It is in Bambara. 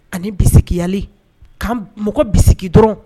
Ani biya' mɔgɔ bɛ dɔrɔn